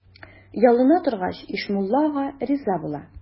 Ялына торгач, Ишмулла ага риза була.